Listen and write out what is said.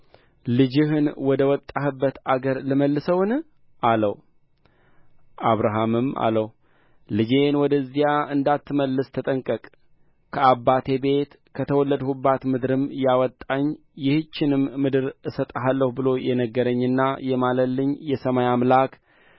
ልጅህን ወደ ወጣህበት አገር ልመልሰውን አለው አብርሃምም አለው ልጄን ወደዚያ እንዳትመልስ ተጠንቀቅ ከአባቴ ቤት ከተወለድሁባት ምድርም ያወጣኝ ይህችንም ምድር እሰጥሃለሁ ብሎ የነገረኝና የማለልኝ የሰማይ አምላክ